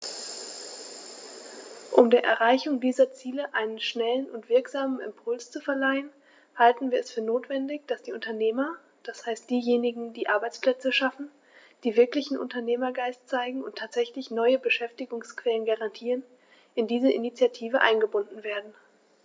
Um der Erreichung dieser Ziele einen schnellen und wirksamen Impuls zu verleihen, halten wir es für notwendig, dass die Unternehmer, das heißt diejenigen, die Arbeitsplätze schaffen, die wirklichen Unternehmergeist zeigen und tatsächlich neue Beschäftigungsquellen garantieren, in diese Initiative eingebunden werden.